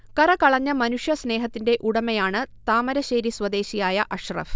കറകളഞ്ഞ മനുഷ്യ സ്നേഹത്തിന്റെ ഉടമയാണ് താമരശേരി സ്വദേശിയായ അഷ്റഫ്